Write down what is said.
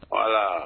Voilà